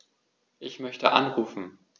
Ich möchte anrufen.